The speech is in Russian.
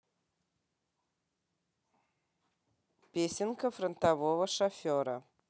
песенка фронтового шофера